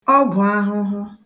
ọgwụ̀ahụhụ